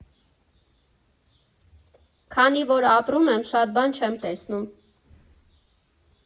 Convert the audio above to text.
Քանի որ ապրում եմ՝ շատ բան չեմ տեսնում։